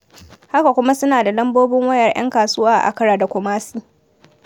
Haka kuma suna da lambobin wayar 'yan kasuwa a Accra da Kumasi.